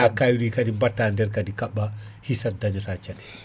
sa gawi kaadi mbatta nder kaadi kabɓa hissat dañata caɗele